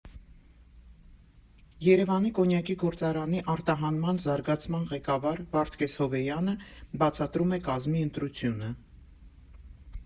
Երևանի կոնյակի գործարանի արտահանման զարգացման ղեկավար Վարդգես Հովեյանը բացատրում է կազմի ընտրությունը.